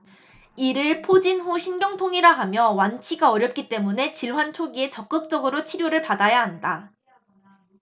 이를 포진 후 신경통이라 하며 완치가 어렵기 때문에 질환 초기에 적극적으로 치료를 받아야 한다